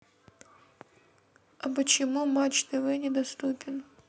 а почему матч тв недоступен